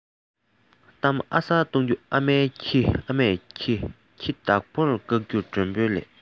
གཏམ ཨ ས གཏོང རྒྱུ ཨ མས ཁྱི བདག པོས བཀག རྒྱུ མགྲོན པོས